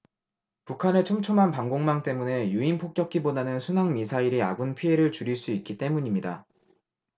북한의 촘촘한 방공망 때문에 유인 폭격기보다는 순항미사일이 아군 피해를 줄일 수 있기 때문입니다